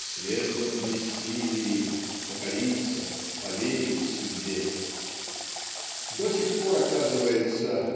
в светлом бессилии покориться поверить судьбе". До сих пор оказывается